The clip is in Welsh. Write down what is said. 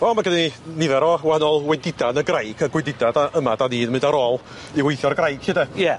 Wel ma' gennyn ni nifer o wahanol wendida yn y graig a gwendida da yma 'dan ni'n mynd ar ôl i weithio'r graig 'lly de? Ie.